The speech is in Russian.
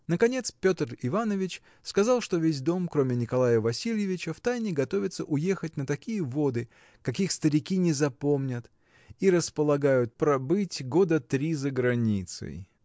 Наконец, Петр Иванович сказал, что весь дом, кроме Николая Васильевича, втайне готовится уехать на такие воды, каких старики не запомнят, и располагают пробыть года три за границей.